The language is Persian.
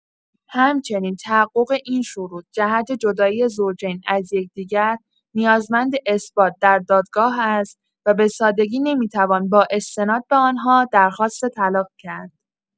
همچنین، تحقق این شروط جهت جدایی زوجین از یکدیگر، نیازمند اثبات در دادگاه است و به‌سادگی نمی‌توان با استناد به آن‌ها، درخواست طلاق کرد.